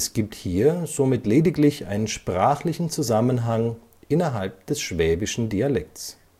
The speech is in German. gibt hier somit lediglich einen sprachlichen Zusammenhang innerhalb des schwäbischen Dialekts